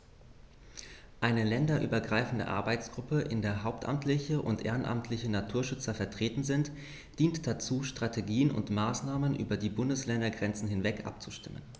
Eine länderübergreifende Arbeitsgruppe, in der hauptamtliche und ehrenamtliche Naturschützer vertreten sind, dient dazu, Strategien und Maßnahmen über die Bundesländergrenzen hinweg abzustimmen.